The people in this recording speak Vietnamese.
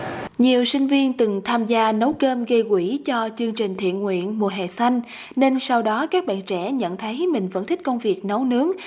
nhiều sinh viên từng tham gia nấu cơm gây quỹ cho chương trình thiện nguyện mùa hè xanh nên sau đó các bạn trẻ nhận thấy mình vẫn thích công việc nấu nướng